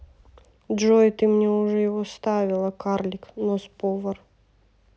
джой ты мне уже его ставила карлик нос повар